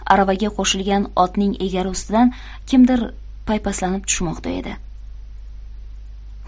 aravaga qo'shilgan otning egari ustidan kimdir paypaslanib tushmoqda edi